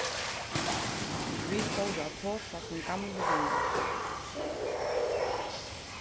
vit fóru at tosa sum gamlir vinir